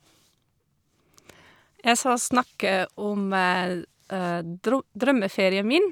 Jeg skal snakke om dro drømmeferien min.